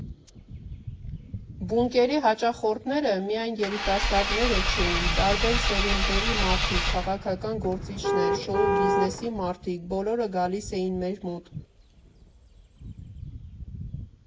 «Բունկերի» հաճախորդները միայն երիտասարդները չէին, տարբեր սերունդների մարդիկ, քաղաքական գործիչներ, շոու֊բիզնեսի մարդիկ՝ բոլորը գալիս էին մեր մոտ։